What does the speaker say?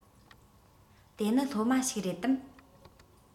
དེ ནི སློབ མ ཞིག རེད དམ